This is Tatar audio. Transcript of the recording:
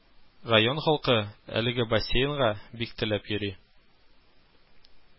Район халкы әлеге бассейнга бик теләп йөри